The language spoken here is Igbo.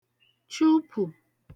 chụpụ̀